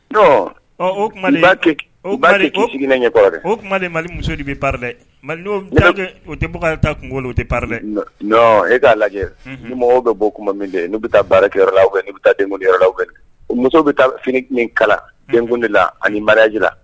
N ɔ o ɲɛ o kuma mali muso de bɛ baara mali o tɛ bakarijan kungo n'o tɛ baaraɔ e k'a lajɛ ni mɔgɔw bɛ bɔ kuma min de n ne bɛ taa baarakɛyɔrɔ la fɛ ne bɛ taa denmusokɛyɔrɔ fɛ muso bɛ taa fini min kala denkun de la ani maria jira la